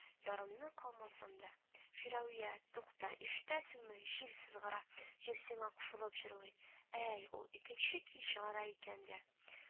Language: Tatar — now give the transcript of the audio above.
Ярымны калмасам да... – Фирәвия, тукта! Ишетәсеңме, җил сызгыра, җил сиңа кушылып җырлый! Әй, ул икенче көй чыгара икән лә